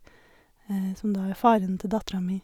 Som da er faren til dattera mi.